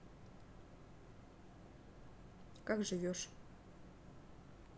как живешь